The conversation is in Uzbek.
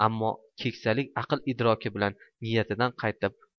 ammo keksalik aql idroki bilan niyatidan qaytib